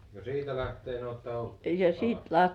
no siitä lähtien olette ollut Alastarolla